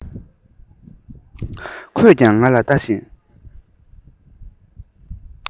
ཁོས ཀྱང ང ལ ལྟ བཞིན